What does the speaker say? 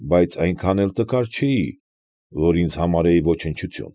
Բայց այնքան էլ տկար չէի, որ ինձ, համարեի ոչնչություն։